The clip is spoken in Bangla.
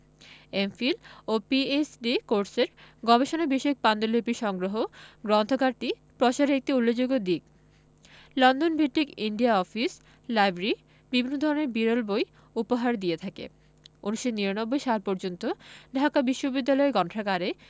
এম.ফিল ও পিএইচ.ডি কোর্সের গবেষণা বিষয়ক পান্ডুলিপির সংগ্রহ গ্রন্থাগারটি প্রসারের একটি উল্লেখযোগ্য দিক লন্ডন ভিত্তিক ইন্ডিয়া অফিস লাইব্রেরি বিভিন্ন ধরনের বিরল বই উপহার দিয়ে থাকে ১৯৯৯ সাল পর্যন্ত ঢাকা বিশ্ববিদ্যালয় গন্থাগারে